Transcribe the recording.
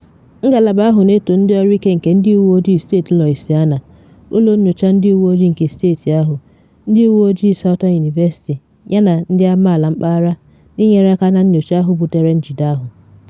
Ngalaba ahụ na eto ndị ọrụ ike nke Ndị Uwe Ojii Steeti Louisiana, ụlọ nyocha ndị uwe ojii nke steeti ahụ, ndị uwe ojii Southern University yana ndị amaala mpaghara n’ịnyere aka na nnyocha ahụ butere njide ahụ.